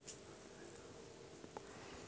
виталий гнатюк